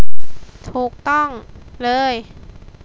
ถูกต้องเลย